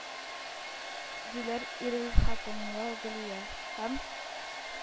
– диләр ирлехатынлы гөлия һәм